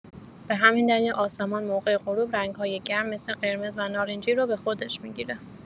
به همین دلیل آسمان موقع غروب، رنگ‌های گرم مثل قرمز و نارنجی رو به خودش می‌گیره.